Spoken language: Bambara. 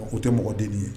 O tɛ mɔgɔden nin ye